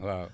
waaw